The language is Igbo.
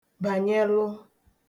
bànyelụ